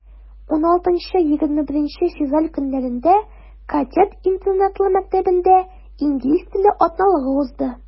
16-21 февраль көннәрендә кадет интернатлы мәктәбендә инглиз теле атналыгы узды.